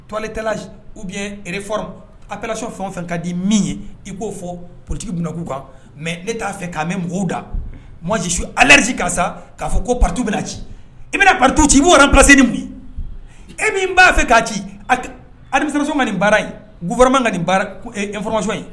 To ale tɛla u bɛ re fɔlɔ alaso fɛn o fɛn k ka di min ye i k'o fɔ ptigi bɛ k' kan mɛ ne t'a fɛ'a mɛn mɔgɔw da ma su alari karisa k'a fɔ ko patu bɛ ci i bɛna patu ci i b'ola bi e min b'a fɛ k'a ci alimuso ma nin baara ye goroma ninmuso in